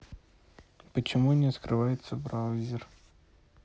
почему не открывается браузер